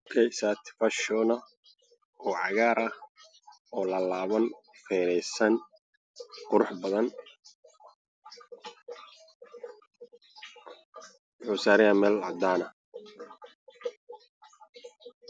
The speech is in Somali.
Waa shaati cagaaran oo laalaaban oo meel saarnaa haddaan ah kartaan madow ayaa ku dhagan